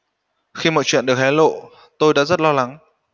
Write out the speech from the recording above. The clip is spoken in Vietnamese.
khi mọi chuyện được hé lộ tôi đã rất lo lắng